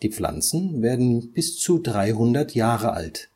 Pflanzen werden bis zu 300 Jahre alt